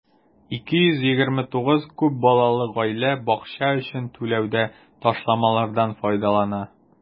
229 күп балалы гаилә бакча өчен түләүдә ташламалардан файдалана.